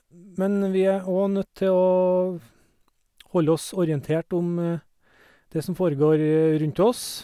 Men vi er óg nødt til å v holde oss orientert om det som foregår rundt oss.